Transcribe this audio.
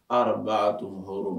Haraba tun ma